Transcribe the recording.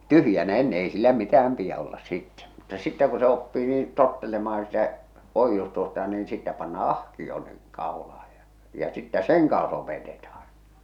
tyhjänä ennen ei sillä mitään pidä olla sitten mutta sitten kun oppii niin tottelemaan sitä oiustusta niin sitten pannaan ahkio niin kaulaan ja ja sitten sen kanssa opetetaan